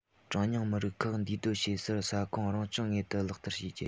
གྲངས ཉུང མི རིགས ཁག འདུས སྡོད བྱེད སར ས ཁོངས རང སྐྱོང དངོས དུ ལག བསྟར བྱེད རྒྱུ